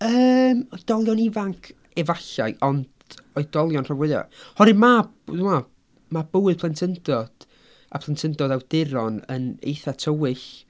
Yym oedolion ifanc? Efallai ond oedolion rhan fwya oherwydd ma', w- ma', ma' bywyd plentyndod a plentyndod awduron yn eitha tywyll.